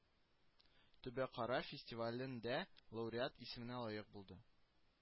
Төбәкара фестивале ндә лауреат исеменә лаек булды